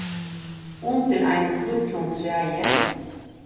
undir einum lítlum træi